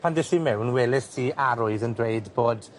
Pan des i mewn, welest i arwydd yn dweud bod